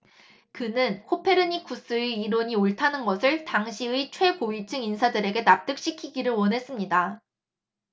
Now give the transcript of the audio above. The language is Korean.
그는 코페르니쿠스의 이론이 옳다는 것을 당시의 최고위층 인사들에게 납득시키기를 원했습니다